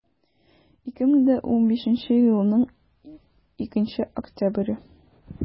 2015 елның 2 октябре